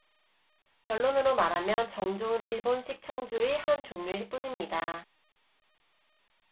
결론적으로 말하면 정종은 일본식 청주의 한 종류일 뿐입니다